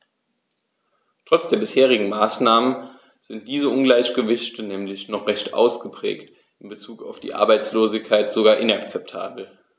Trotz der bisherigen Maßnahmen sind diese Ungleichgewichte nämlich noch recht ausgeprägt, in bezug auf die Arbeitslosigkeit sogar inakzeptabel.